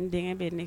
N denkɛ bɛ